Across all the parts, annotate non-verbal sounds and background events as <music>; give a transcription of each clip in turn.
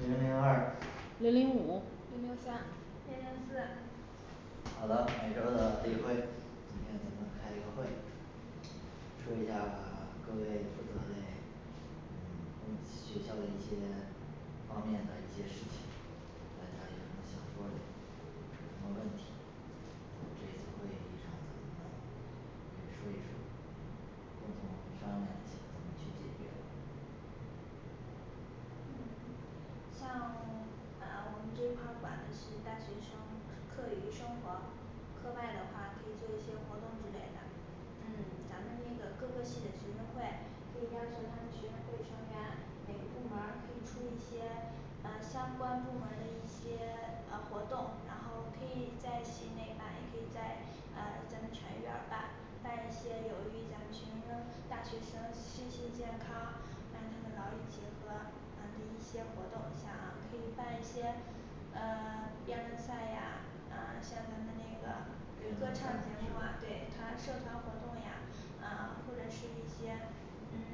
零零二零零五零零三零零四好了，每周儿的例会，今天咱们开一个会说一下 <silence> 各位负责嘞嗯工学校的一些方面的一些事情大家有什么想说嘞，有什么问题我们这次会议上来说一说，沟通商量一下怎么去解决嗯像 <silence> 呃我们这一块儿管是大学生课余生活，课外的话可以做一些活动之类的嗯咱们那个各个系的学生会可以要求他们学生会成员，每个部门儿可以出一些呃相关部门儿的一些呃活动，然后可以在系内办也可以在啊咱们全院儿办办一些有益于咱们学生大学生身心健康，让他们劳逸结合的一些活动，像可以办一些呃 <silence> 辩论赛呀嗯像咱们那个辩歌论赛唱节目啊对社团活动呀，啊或者是一些嗯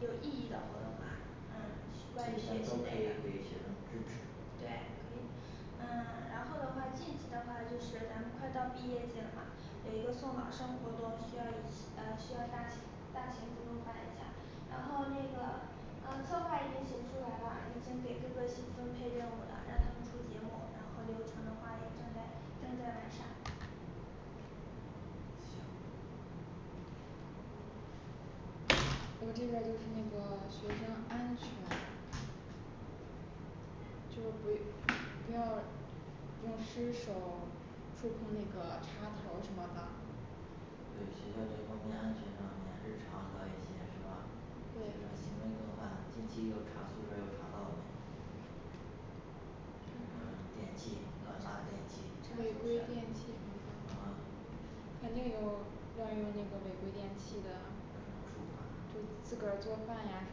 有意义的活动吧，嗯这关咱于学都习的可以呀给学生支持对，可以。嗯然后的话近期的话就是咱们快到毕业季了嘛，有一个送老生活动需要一嗯需要大型大型操办一下。然后那个嗯策划已经写出来了，已经给各个系分配任务了，让他们出节目，然后流程的话也正在正在完善我这边儿就是那个学生安全就不与， <unintelligible> 不要用湿手触碰那个插头儿什么的对学校这方面安全上面日常的一些是吧？对怎么办近期又查宿舍有查到了什么电器，乱违规插电器电器什么的，嗯肯定有乱用那个违规电器的就处罚自个儿做饭呀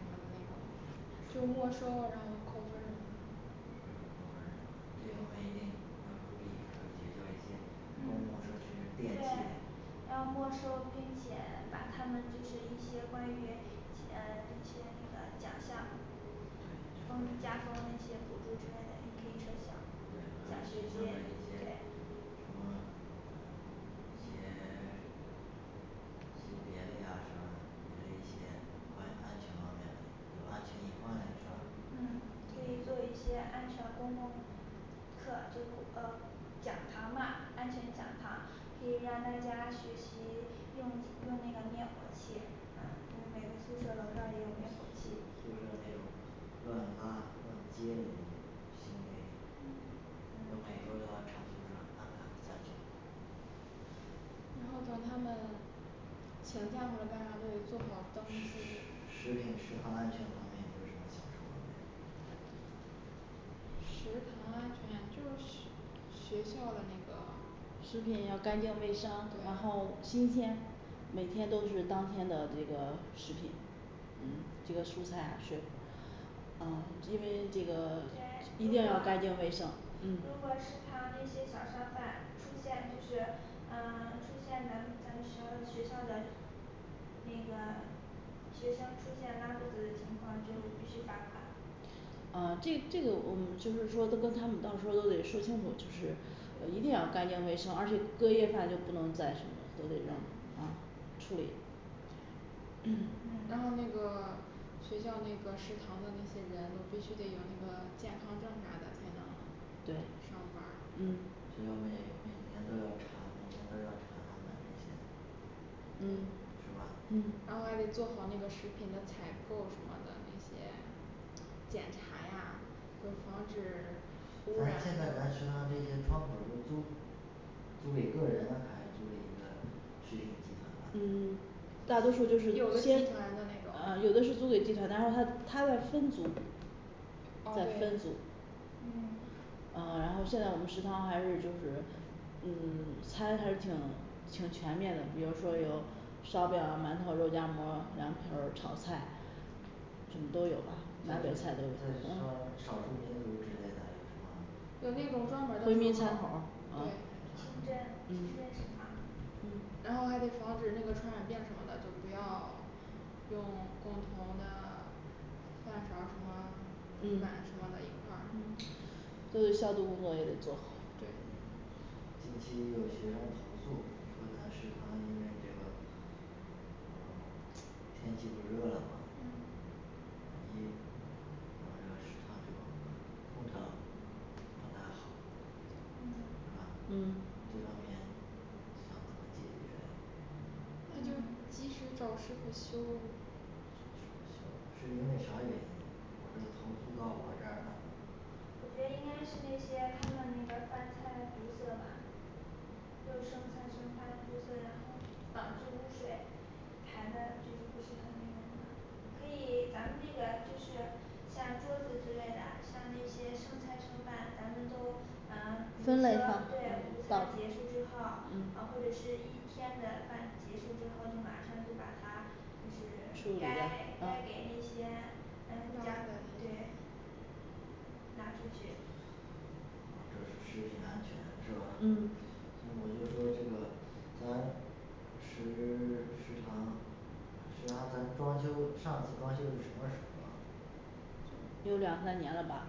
什么的那种，就没收，然后扣分儿什么的这方面一定要注意，尤其像一些公共设施电对器要没收，并且把他们就是一些关于嗯一些那个奖项对，这封方压面封那些补助之类的可以嗯设想对奖像学金那，一对些什么一些， <silence> 别嘞呀是吧？还一些关于安全方面的，有安全隐患嘞事儿嗯可以做一些安全公共课就呃讲堂吧，安全讲堂可以让大家学习用用那个灭火器嗯，因为每个宿舍楼上也有灭火宿器宿舍那种乱拉乱接那种行为嗯，每周儿都要查宿舍看看啥情况然后等他们请假或者干啥都得做食好登食食品食堂记安全方面有什么想说的食堂安全就是学 <unintelligible> 学校的那个食品要干净卫生，然后新鲜，每天都是当天的这个食品、嗯这个蔬菜、水 <crosstalk> 嗯因为这个对一，定要干净卫生嗯如果食堂那些小商贩出现就是，嗯出现咱们咱们学校学校的那个学生出现拉肚子的情况就必须罚款嗯这这个我们就是说都跟他们到时候都得说清楚就是， <crosstalk> 一定要干净卫生，而且隔夜饭就不能再什么都得扔嗯处理 <crosstalk> 对然后那个学校那个食堂的那些人都必须得有那个健康证啥的才能对上班儿，嗯什么每每年都要查，每年都要查他们这些是嗯吧嗯然后还得做好那个食品的采购什么的那些检查呀，就防止 <silence> 污咱染现在咱食还堂这些窗口儿都租租给个人还是租给一个？食品集团呢嗯大多数都是有的集先团的那种啊嗯有对的是租给集团，然后他他再分租，再分租嗯嗯然后现在我们食堂还是就是嗯餐还挺挺全面的，比如说有烧饼、馒头、肉夹馍，凉皮儿炒菜什么都有吧，南北对少菜少都有数民族之类的有什么有那种专门儿回民的窗窗口口儿儿清真对，清真食，然堂。后还得防止那个传染病什么的，就不要用共同的饭勺儿什么碗什嗯么的一块儿嗯消毒工作也得做好对近期有学生投诉说咱食堂因为这个天气不热了吗嗯一咱们这个食堂这个空调，不太好是吧嗯，这方面想怎么嗯解决，那就及时找师傅修请师傅修，是因为啥原因？是投诉到我这儿啦都我觉得应该是那些他们那个饭菜堵塞吧，就剩饭剩菜堵塞然后导致污水排的不是很那个啥，可以咱们那个就是像桌子之类的，像那些剩菜剩饭，咱们都嗯比如分类放说对午餐结束之后嗯，或者是一天的饭结束之后，马上就把它就是该该给那些，对拿出去这是食品安全是吧嗯？我就说这个咱食 <silence> 食堂。 食堂咱装修上次装修是什么时候啊有两三年了吧。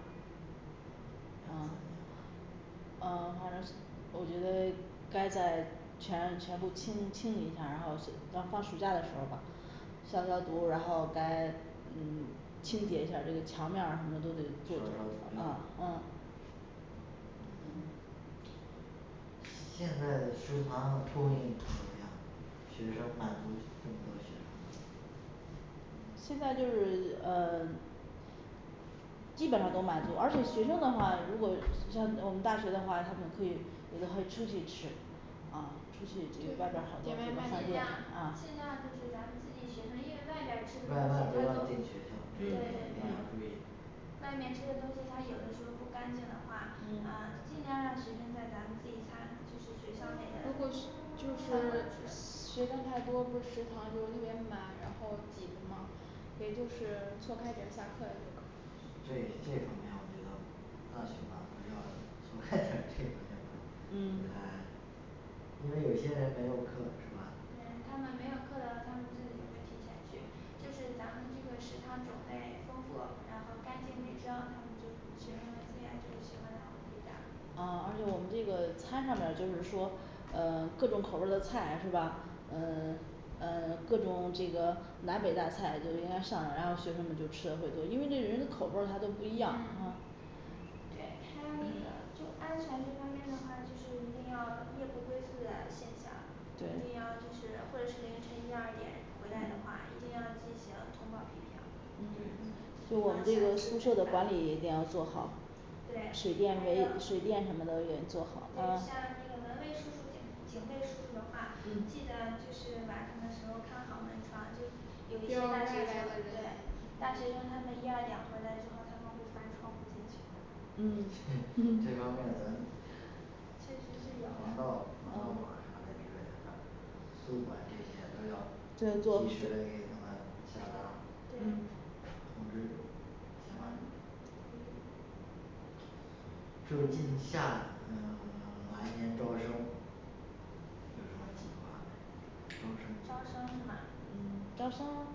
嗯嗯反正我觉得该在全全部清清理一下，然后到放暑假的时候吧消消毒，然后该嗯清洁一下这个墙面儿什么都得做消嗯消嗯毒现在的食堂供应怎么样，学生满足这么多学生现在就是呃基本上都满足，而且学生的话，如果像我们大学的话，他们可以有的还出去吃啊出去这个外边儿好点多这个外饭店卖尽量啊尽量就是咱们自己学生因为外面儿吃的东外西卖不它让都对对进学校，这个一定要注意对外面吃的东西，他有的时候不干净的话，嗯尽嗯量让学生在咱们自己餐就是学校内的如果就是学生太多，不食堂就特别满，然后挤着嘛也就是错开点儿下课也就可以这这方面我觉得大学嘛不要 <noise> 不太这方嗯面呃，因为有些人没有课是吧？对，他们没有课的话，他们自己也会提前去，就是咱们这个食堂种类丰富，然后干净卫生，他们就学生们自愿就喜欢咱们这边嗯儿，而且我们这个餐上面儿就是说呃各种口味儿的菜是吧嗯嗯各种这个南北大菜就应该上，然后学生们就吃的会多，因为那人的口味儿他都不一样。哈嗯对还有那个就安全这方面的话，就是一定要夜不归宿的现象，一定要就是对会是凌晨一二点回来的话，一定要进行通报批评。就我嗯们这个宿舍的管理一定要做好对还有，对像那个对水电煤水电什么的也做好，嗯，嗯门卫叔叔警卫叔叔的话，记得就是晚上的时候看好门窗，就有一学些校大外来的学生对大学人员生他们一二两回来之后，他们会翻窗户进去的嗯 <noise> 这这方面咱就是防这个啊盗防盗网啥嘞之类的宿管这对，面都要做及时的给他们下达通嗯对知行吗就近下嗯 <silence> 来年招生有什么计划？招生是招嗯生，招生吗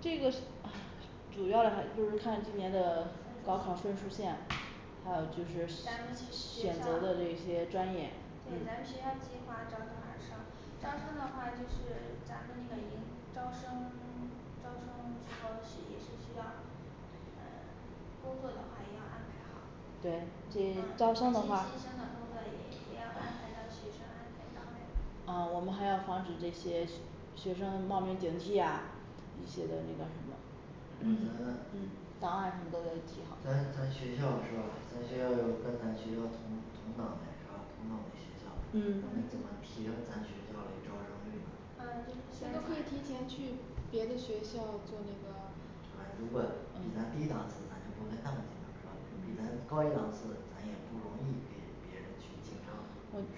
这个 <crosstalk> 主要还不是看今年的高考分数儿线，还咱们学校，对咱们学校计有就是选择的这些专业嗯，划招多少生招生的话就是咱们那个迎招生招生的时候也是需要嗯工作的话也要安排好对嗯这接招新生生的的工作话也也要安排到学生安排到位。，嗯我们还要防止这些学 <unintelligible> 学生冒名儿顶替啊一些的那个什么我觉嗯得，，档案什么都得提好咱咱学校是吧？咱学校有跟咱学校同同等嘞是吧？同等的学校，我们怎么嗯提嗯升咱学校嘞招生率呃呢，咱们可就是在以提前去别的学校做那个是吧如果比咱低档次，咱就不跟他们比了是吧？比咱高一档次，咱也不容易给别人去竞争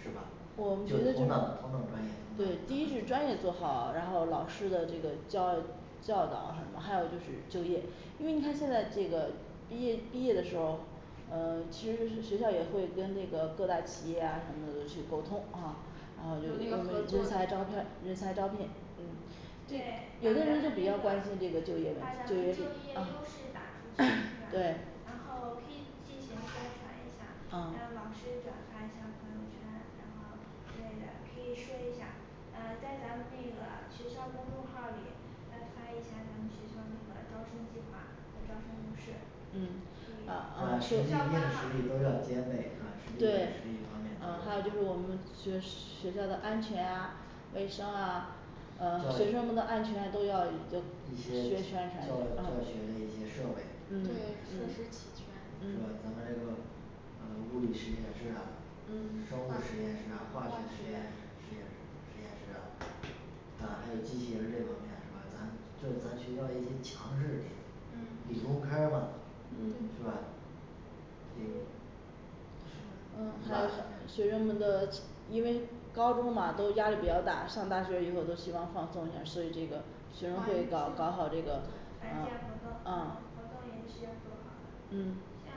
是吧？我觉就得就同是等同等专，对业第一是专业做好。然后老师的这个教教导什么还有就是就业，因为你看现在这个毕业毕业的时候，嗯其实学校也会跟那个各大企业呀什么的都去沟通哈然后有有那那个个合作人的才招聘 <unintelligible> 人才招聘嗯对，，有把的咱人们就就比业优较势关心这个就业问题打出对去，于这是，对吧然后可以进行宣传一下，让老嗯师转发一下朋友圈，然后之类的可以说一下嗯在咱们那个学校公众号儿里来发一些咱们学校那个招生计划和招生模式嗯软。实力硬是实力都要兼备，软实，力也对是一方嗯面还有就是我们学一学校个的安全啊卫生啊，嗯学生们的安全都要有一一些些教宣传教学嗯的一些设备，对，嗯设施齐全是吧咱嗯们那个嗯物理实验室啊嗯、，生物化实验学室啊、化化学实学验实验实验室啊，啊还有机器人儿这方面是吧？ 咱这咱学校的一些强势点，嗯理工科儿嘛，是吧对理嗯然后工，是吧学生们的，因为高中嘛都压力比较大，上大学以后都希望放松一下所以这个学生会搞搞好这个，团建活动，活啊动也是要做好的嗯像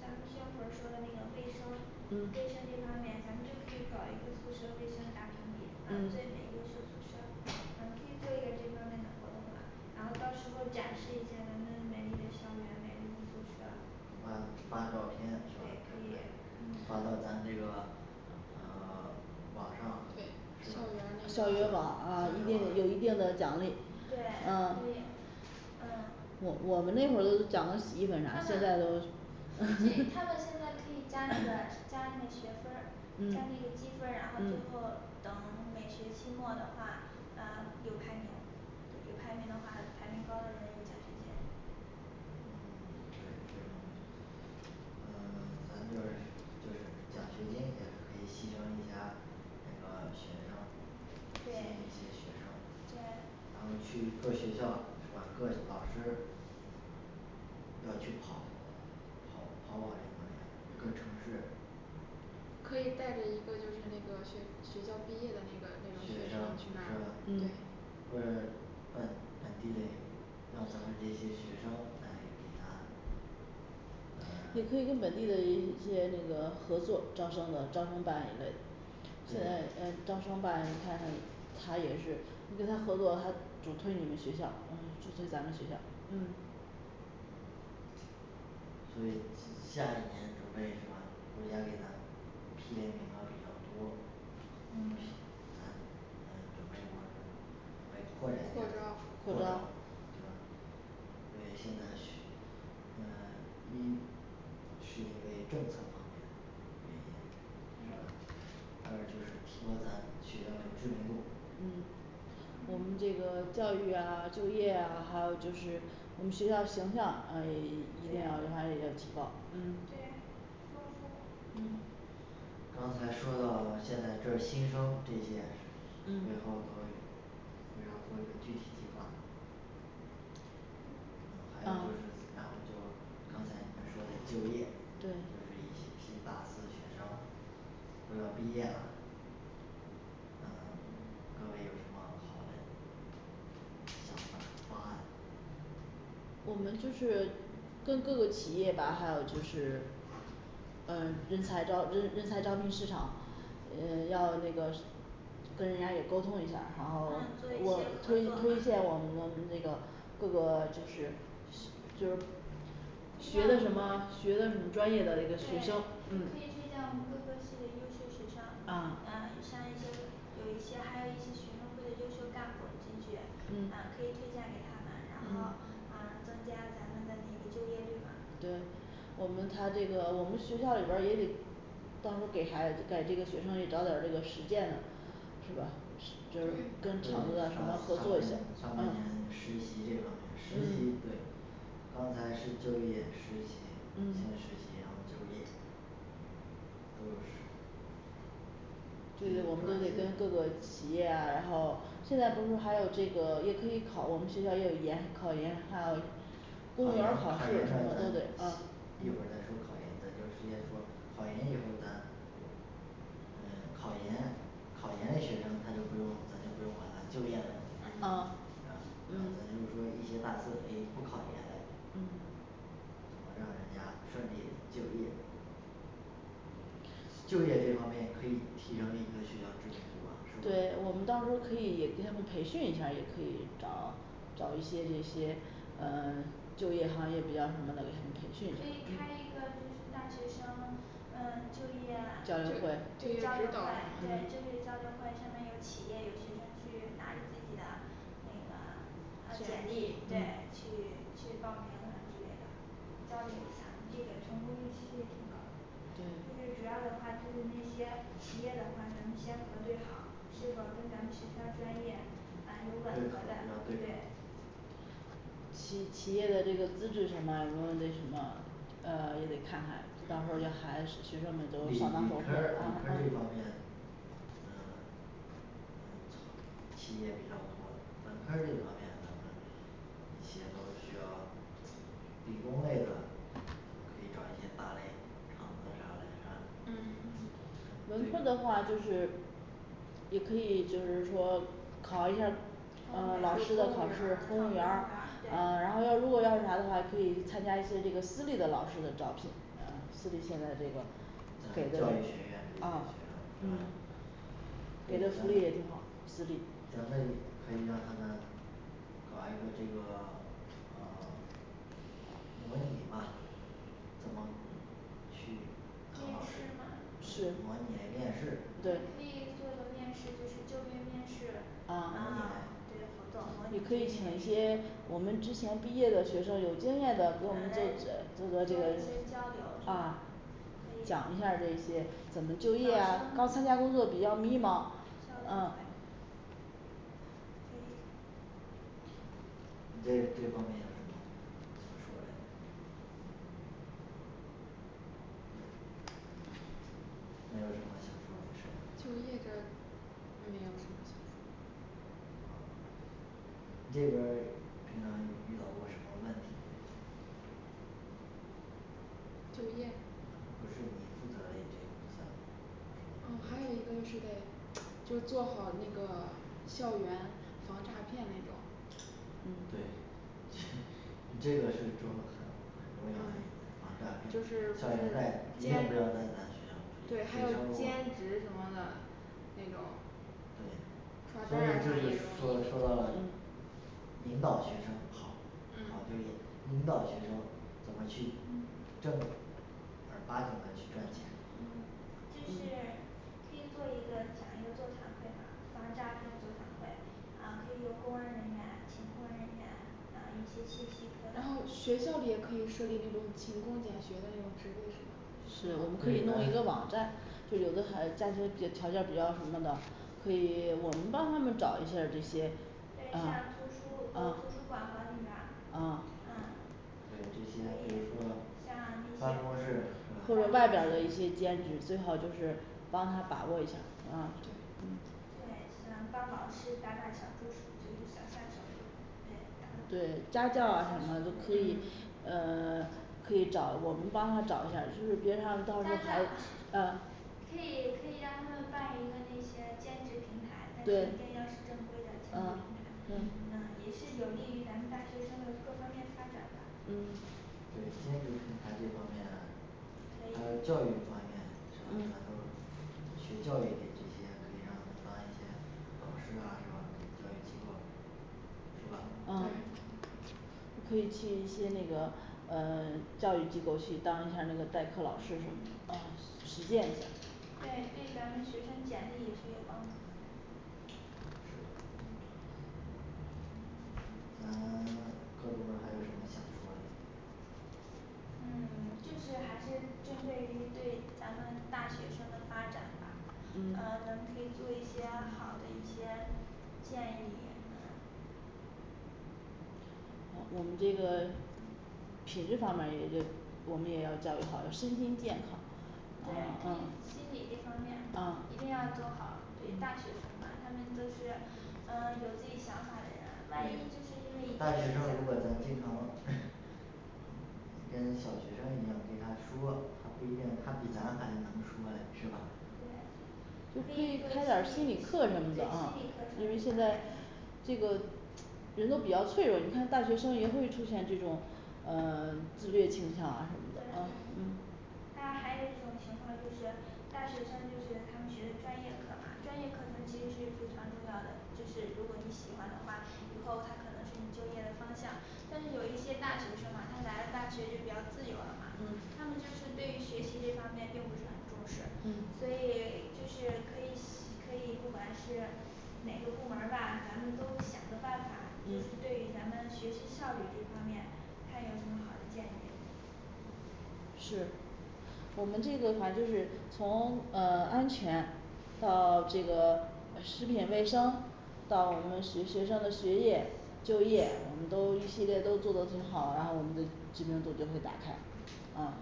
咱们学校说的卫生卫生这嗯方面，咱们就可以搞一个宿舍卫生大评比，最美嗯优秀宿舍，可以做一个这方面的活动吧然后到时候展示一下咱们美丽的校园，美丽的宿舍发发个照片对是可吧以？ 发到咱这个呃网上是对吧，校校校园那个园园网网啊一定有一定的奖励对嗯可以嗯我我们那会儿都奖洗衣他们他粉啥的，现在都们现在可以 <noise> 加那个加学分儿嗯嗯加那个积分儿，然后最后等每学期末的话呃有排名有排名的话排名高的人有奖学金嗯，对对呃咱这个就是奖学金也可以吸收一下那个学生吸引一对些学生对，然后去各学校是吧各老师要去跑跑跑跑什么跟城嗯市可以带着一个就是那个学学校毕业的那个学那生种去那儿对。，呃本本地嘞让咱们这些学生来给咱 <crosstalk> 也可以跟本地的一些那个合作招生的招生办一类的。现在呃对招商办他他他也是你跟他合作，他主推你们学校嗯，主推咱们学校嗯所以下一年准备什么，国家给咱批嘞名额比较多，咱准备我准备扩扩展嘞招扩嗯招所以现在是呃一是因为政策方面的原因是吧二就是提高咱学校的知名度嗯我们这个教育啊就业啊，还有就是我们学校形象嗯也也一定要反正也要提高，嗯嗯，对嗯刚才说到现在这是新生这些以后嗯，然后做一个具体计划嗯嗯啊，还有就是然后就刚才你们说的就业就是对一些批大四学生都要毕业啦嗯各位有什么好嘞想法儿方案我们就是跟各个企业吧还有就是嗯人才招人人才招聘市场，嗯要那个是 <unintelligible> 跟人家也沟通一下儿，然后我嗯，做推一些合推作荐我嘛们的这个各个就是，就是可学以的让什么学的什么专业对可以推荐的一个学生，各个系的优秀学生嗯啊像一些有一些还有一些学生会的优秀干部儿进去嗯嗯可以推荐给他们，然后嗯嗯增加咱们的那个就业率嘛。对，我们他这个我们学校里边儿也得到时候给孩在这个学生也找点儿实践的，是吧就是那个上，上半年跟厂子啊什么的合作一下上，半年嗯实习这方面，实习嗯对刚才是就业实习先实嗯习，然后就业就是这些我们都得跟各个企业啊，然后现在不是还有这个也可以考我们学校也有研考研，还有考公研务，一会员儿儿考试什么都得啊再说考研咱就时间说，考研一会儿咱嗯，考研考研嘞学生他就不用咱就不用管他就业问题，嗯啊咱就嗯是说一些大数可以不考研的嗯怎么让人家顺利就业就业这方面也可以提升一个学校知名度吧是对，我们到时候吧？可以也给他们培训一下，也可以找找一些这些呃就业行业比较什么的给他们培可训以嗯开一个就是大学生呃就业交就业流会对交流会对指导啥就业交嗯流的会上面有企业有学生去拿着自己的那个呃简简历历对嗯去去报名和之类的交流一下，这个成功率其实也挺高这对个主要的话就是那些企业的话，咱们先核对好是否跟咱们学校专业对嗯口有儿吻合，的要，对口对儿企企业的这个资质什么我们得什么，呃也得看看，到时候儿要理理科儿理科孩是学生们都上班后儿这方面嗯，企业比较多，本科儿这方面可能一些都需要理工类的，我可以找一些大嘞厂子啥嘞是吧？嗯文科的话就是也可以就是说考一下儿考公务员儿考公嗯老师的考考试，公公务务务员员员儿儿儿，嗯然对后要如果要是啥的话，可以参加一些这个私立的老师的招聘嗯，特别现在这个教育学院这些学给的生是嗯吧？嗯给的福利也挺好，私准立，备可以让他们搞一个这个嗯模拟嘛怎么去面试吗模拟嘞面试也可对以做一个面试，就是就业面试对你可活动以请一些我们之前毕业的学生有做经一验的给我们做些交，流啊讲一下儿可以这些怎么就业啊，刚参加工作比较迷需要茫，再嗯会你在这方面有什么想说嘞没有什么想说的是就吗，业这儿，没有什么想说的这边儿平常遇到过什么问题没就不是你业负责嘞这方面嗯还有一个就是得就做好那个校园防诈骗那种对 <noise> 你这个是重很重嗯要的，防，诈骗对，就是校就园是贷一定兼不要在咱们，学对校还有出兼现职什么的那种对，刷所以单这就儿说啊说到什了么引导学生好，好就嗯引导学生怎么去正儿八经的去赚钱嗯就是可以做一个讲一个座谈会嘛，防诈骗座谈会嗯可以由公安人员请公安人员讲一些信息，然后学校里也可以设立那种勤工俭学的那种职位什么的是我们可以弄一个网站，就有的孩子家庭条件儿比较什么的，可以我们帮他们找一下儿这些对，嗯下图书图嗯书馆管理员儿 ，嗯嗯对这些可比以如说，像那他说些是嗯，对或者外边儿的一些兼职最好就是帮他把握一下儿，嗯对像帮老师打打小助，就是小下手之类的。对家教啊什么的都可以嗯， <silence> 可以找，我们帮他找一下儿就是别让他家，到教时候儿，嗯可以可以让他们办一个那些兼职平台，但是一定对要是正规的兼嗯职平台，也是有利于咱们大学生的各方面发展吧嗯对兼职平台这方面，还有可教育以方面是吧，咱都嗯学教育嘞这些可以让他当一些老师啊，是吧教育机构，是是吧吧嗯可以去一些那个呃教育机构去当一下代课老师什么的嗯实践一下儿对对咱们学生简历也是有帮助嗯 <silence> 各部门儿还有什么想说嘞嗯就是还是针对于对咱们大学生的发展吧，嗯咱嗯们可以做一些好的一些建议，嗯我们这个品质方面儿也就我们也要教育好身心健康对，可以嗯心理这嗯方面一定嗯要做好，对大学生了他们都是嗯有自己想法的人，万一就是因为已经大学生如果咱们经常想好 <hesitation> 了跟小学生一样对他说他不一定他比咱还能说嘞是吧对就可可以以，开点儿对心心理理课课什程么的啊嘛，因为现在这个人都比较脆弱，你看大学生也会出现这种嗯自虐倾向啊什么的，对对嗯当然还有一种情况就是大学生就是他们学的专业课嘛，专业课程其实是非常重要的，就是如果你喜欢的话，以后他可能是你就业的方向但是有一些大学生啊他来了大学就比较自由了嘛嗯，他们就是对学习这方面并不是很重视，嗯所以就是可以可以不管是哪个部门儿吧，咱们都想个办法，就是嗯对于咱们学习效率这方面，看有什么好的建议是，我们这个的话就是从呃安全到这个食品卫生到我们学学生的学业就业，我们都一系列都做得挺好，然后我们的知名度就可以打开嗯